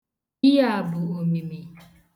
Ihe a bụ omimi.